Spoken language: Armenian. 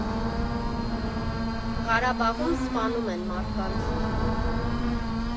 Ղարաբաղում սպանում են մարդկանց։